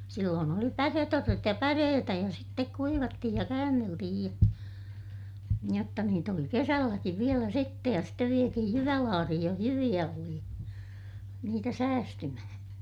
silloin oli päreorret ja päreitä ja sitten kuivattiin ja käänneltiin ja jotta niitä oli kesälläkin vielä sitten ja sitten vietiin jyvälaariin jos jyviä oli niitä säästymään